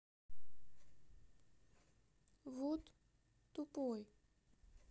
вот блять тупой